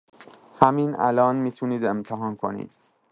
همین الان می‌تونید امتحان کنید.